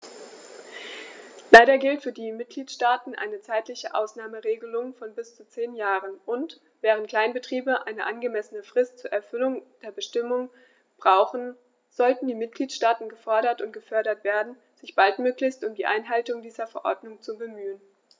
Leider gilt für die Mitgliedstaaten eine zeitliche Ausnahmeregelung von bis zu zehn Jahren, und, während Kleinbetriebe eine angemessene Frist zur Erfüllung der Bestimmungen brauchen, sollten die Mitgliedstaaten gefordert und gefördert werden, sich baldmöglichst um die Einhaltung dieser Verordnung zu bemühen.